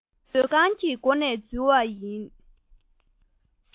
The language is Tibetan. མཛོད ཁང གི སྒོ ནས འཛུལ བ ཡིན